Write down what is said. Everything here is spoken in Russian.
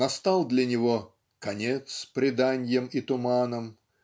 Настал для него "конец преданьям и туманам"